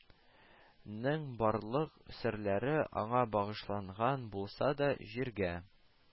Нең барлык серләре аңа багышланган булса да, җиргә